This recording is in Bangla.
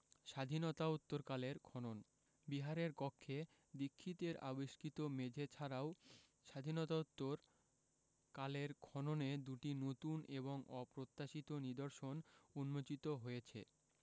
স্বাধীনতোত্তরকালের খননঃ বিহারের কক্ষে দীক্ষিতের আবিষ্কৃত মেঝে ছাড়াও স্বাধীনতোত্তর কালের খননে দুটি নতুন এবং অপ্রত্যাশিত নিদর্শন উন্মোচিত হয়েছে